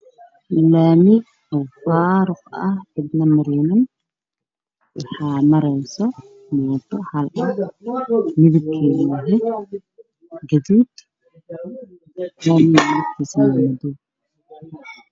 Cishan waxaa ku yaalla laami faaruq ah oo waxna maleenin oo rami toosan oo qurux badan waxaa xagga ka soo socota mooto bajaaj